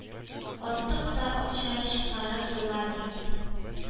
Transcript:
Артык та акча чыгарып була, ди.